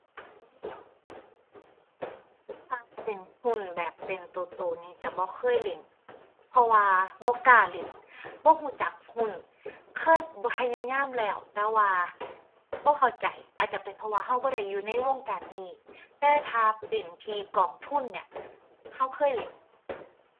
ถ้าเป็นหุ้นแบบเป็นตัวตัวนี่ตัวบ่เคยเล่น เพราะว่าบ่กล้าเล่น บ่ตัวจักหุ้น เคย พยายามแล้วแต่ว่าบ่เข้าใจ อาจจะเป็นเพราะว่าตัวบ่ได้อยู่ในวงการนี้ แต่ถ้าเป็นที่กองทุนเนี่ย ตัวเคยเล่น